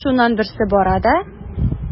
Шуннан берсе бара да:.